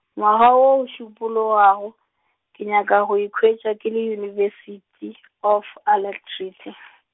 ngwaga wo o šupologago, ke nyaka go ikhwetša ke le University of Alacrity.